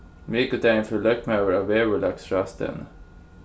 mikudagin fer løgmaður á veðurlagsráðstevnu